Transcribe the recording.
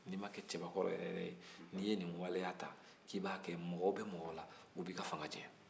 n'i ma kɛ cɛbakɔrɔ yɛrɛ ye n'i ye nin waleya ta k'i b'a kɛ mɔgɔw bɛ mɔgɔw la u b'i ka fanga tiɲɛ